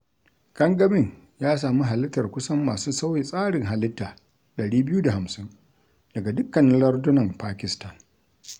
Gangamin ya sami halartar kusan masu sauya tsarin halitta 250 daga dukkanin lardunan Pakistan.